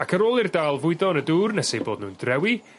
Ac yr ôl i'r dail fwydo yn y dŵr nes eu bod nw'n drewi